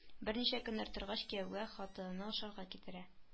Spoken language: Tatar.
Берничә көннәр торгач кияүгә хатынына ашарга китерә